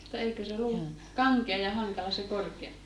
mutta eikö se ollut kankea ja hankala se korkea